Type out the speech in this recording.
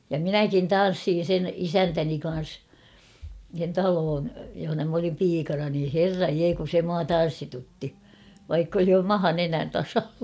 ja minäkin tanssin sen isäntäni kanssa sen talon jossa minä olin piikana niin herran jee kun se minua tanssitutti vaikka oli maha nenän tasalla